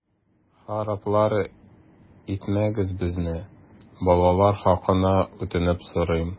Хараплар итмәгез безне, балалар хакына үтенеп сорыйм!